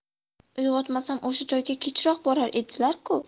uyg'otmasam o'sha joyga kechroq borar edilar ku